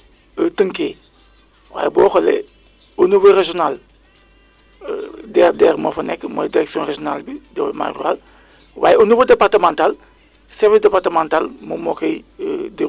xam nga donc par rapport à tous ces éléments là ñoom am na compilation bi nga xam ne di nga koy def ba dañuy xam que ni kat zone bii boo fa defee jiwee gerte bi nga xamante ne bi peut être que dina gaaw a ñor te soxlawul ndox bu bëri